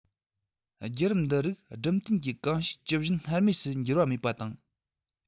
བརྒྱུད རིམ འདི རིགས སྦྲུམ རྟེན གྱིས གང བྱས ཇི བཞིན སྔར མུས སུ འགྱུར བ མེད པ དང